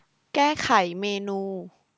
แก้ไขเมนู